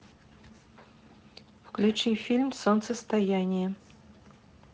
включи фильм солнцестояние